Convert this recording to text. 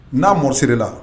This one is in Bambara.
N'a mɔ sera la